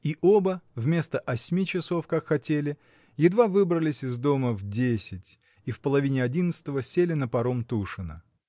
И оба, вместо осьми часов, как хотели, едва выбрались из дома в десять и в половине одиннадцатого сели на паром Тушина.